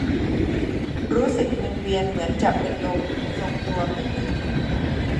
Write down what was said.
รู้สึกวิงเวียนเหมือนจะเป็นลมทรงตัวไม่อยู่